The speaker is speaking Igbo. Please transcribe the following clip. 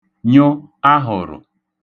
nyụ ahụ̀rụ̀